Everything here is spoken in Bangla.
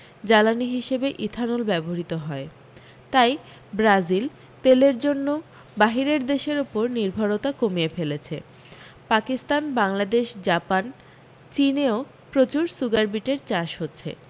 জ্বালানি হিসেবে ইথানল ব্যবহৃত হয় তাই ব্রাজিল তেলের জন্য বাহিরের দেশের উপর নির্ভরতা কমিয়ে ফেলেছে পাকিস্তান বাংলাদেশ জাপান চিনেও প্রচুর সুগারবিটের চাষ হচ্ছে